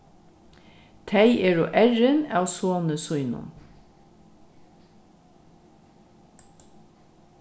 tey eru errin av soni sínum